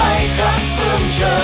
trời